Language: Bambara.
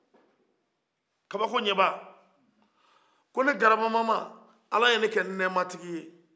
kabakoɲɛba ko ne grabamama ala y'a ne kɛ nɛma tigi ye